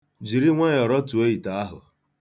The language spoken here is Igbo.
Jiri nwayọ rọtuo ite ahụ.